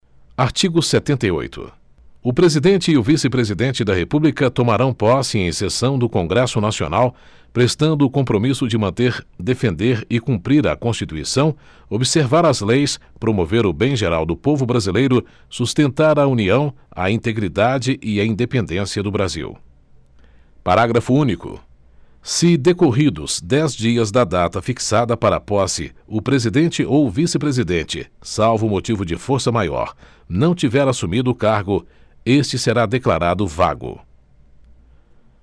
artigo setenta e oito o presidente e o vice presidente da república tomarão posse em sessão do congresso nacional prestando o compromisso de manter defender e cumprir a constituição observar as leis promover o bem geral do povo brasileiro sustentar a união a integridade e a independência do brasil parágrafo único se decorridos dez dias da data fixada para a posse o presidente ou o vice presidente salvo motivo de força maior não tiver assumido o cargo este será declarado vago